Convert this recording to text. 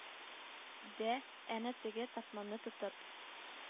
Дә, әнә теге тартманы тотып